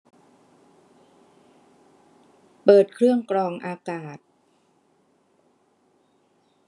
เปิดเครื่องกรองอากาศ